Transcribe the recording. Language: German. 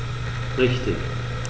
Richtig